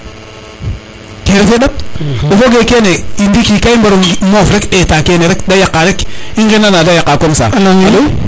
kene refe ndat o foge kene ndiki ka i mbaro moof rek ndeta kene rek de yaqa rek i ngena na de yaqa rek comme ca alo